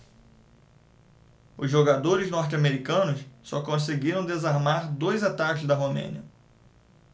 os jogadores norte-americanos só conseguiram desarmar dois ataques da romênia